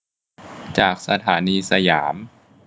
จากสถานีสยาม